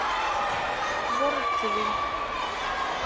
город civil